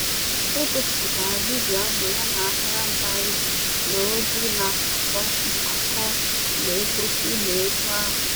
E gosipụtara vidiyo ahụ yana ákàrà mkparị na ozi na-akatọ mpako n'egosi n'egwu ahụ.